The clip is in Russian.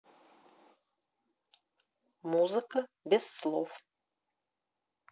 музыка без слов